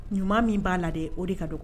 Ɲuman min b'a la dɛ o de ka dogo